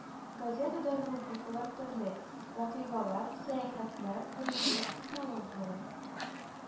Газетада рубрикалар төрле: “Вакыйгалар”, “Сәяхәтләр”, “Ризык”, “Технологияләр”